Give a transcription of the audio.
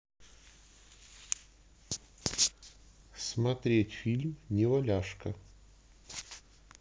смотреть фильм неваляшка